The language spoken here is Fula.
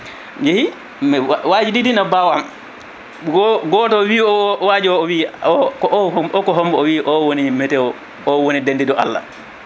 mi mi wajiɗi ne mbawa goto wi o waji o o wi o ko hom oko homo o wi o woni météo o woni dendiɗo Allah